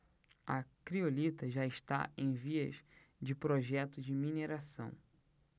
a criolita já está em vias de projeto de mineração